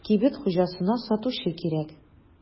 Кибет хуҗасына сатучы кирәк.